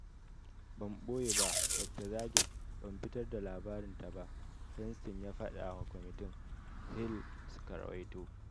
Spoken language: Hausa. “Ban boye ba Dr. Zargin, ban fitar da labarinta ba,” Feinstein ya fada ma kwamitin, Hill suka ruwaito.